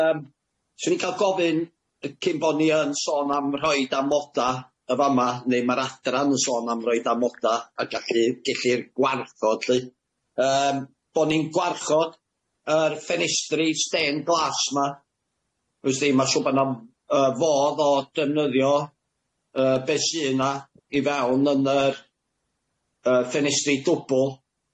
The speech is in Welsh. yym 'swn i'n ca'l gofyn cyn bo' ni yn sôn am rhoid amoda' y fama neu ma'r adran yn sôn am roid amoda' a gallu gellir gwarchod 'lly yym bo' ni'n gwarchod yr ffenestri stên glas 'ma wsdi ma' siŵr bo' 'na yy fodd o defnyddio yy beth sy 'na i fewn yn yr yy ffenestri dwbl